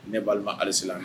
Ne' halise